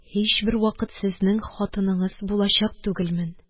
Һичбер вакыт сезнең хатыныңыз булачак түгелмен